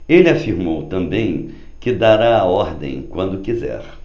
ele afirmou também que dará a ordem quando quiser